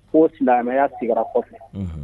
Ko silamɛmɛyaa sigira kɔfɛ